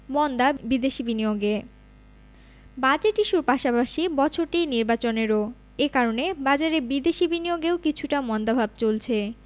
মন্দা বিদেশি বিনিয়োগে বাজেট ইস্যুর পাশাপাশি বছরটি নির্বাচনেরও এ কারণে বাজারে বিদেশি বিনিয়োগেও কিছুটা মন্দাভাব চলছে